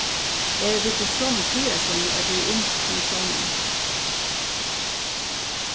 eru vit í somu tíðarsonu ella í ymiskum sonum